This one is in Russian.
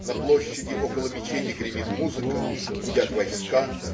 На площади, около мечети гремит музыка, гудят войска.